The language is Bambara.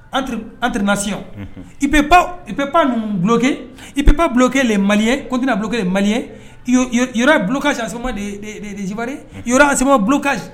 An tirnasi i i pan ninnukɛ i bɛ pankɛ de maliye ko tɛna bulon ye mali ye bulonka samama derimaka